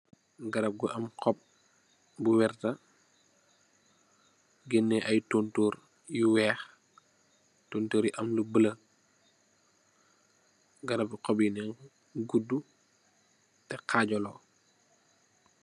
Garab bu ap xoop bu werta gene ay tonturr yu weex tonturr yi am lu bulu garabi xoop yi guda tex xajalo.